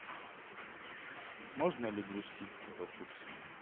можно ли грусти чупа чупс